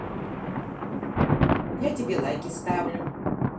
я тебе лайки ставлю